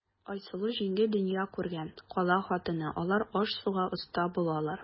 Айсылу җиңги дөнья күргән, кала хатыны, алар аш-суга оста булалар.